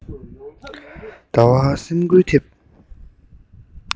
ཟླ བ ལ སེམས འགུལ ཐེབས